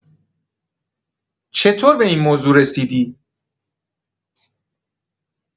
چطور به این موضوع رسیدی؟